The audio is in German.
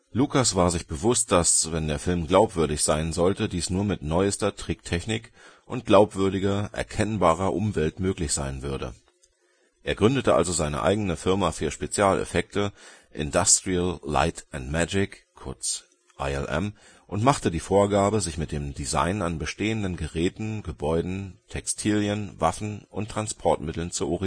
Lucas war sich bewusst, dass, wenn der Film glaubwürdig sein wollte, dies nur mit neuester Tricktechnik und glaubwürdiger, erkennbarer Umwelt möglich sein würde. Er gründete also eine eigene Firma für Spezialeffekte, Industrial Light and Magic (ILM) und machte die Vorgabe, sich mit dem Design an bestehenden Geräten, Gebäuden, Textilien, Waffen und Transportmitteln zu